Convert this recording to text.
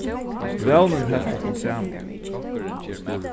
vónin helt okkum saman